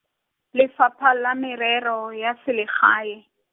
Lefapha la Merero, ya Selegae.